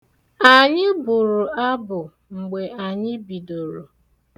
Anyị bụrụ abụ mgbe anyị bidoro.